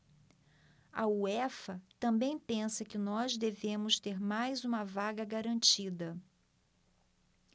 a uefa também pensa que nós devemos ter mais uma vaga garantida